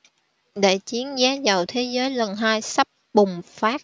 đại chiến giá dầu thế giới lần hai sắp bùng phát